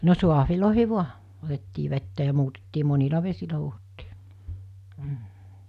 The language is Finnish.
no saaveihin vain otettiin vettä ja muutettiin monilla vesillä huuhdottiin mm